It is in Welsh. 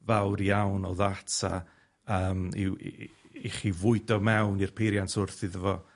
fawr iawn o ddata yym i'w i i i chi fwydo mewn i'r peiriant wrth iddo fo